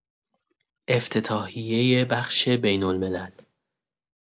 افتتاحیه بخش بین‌الملل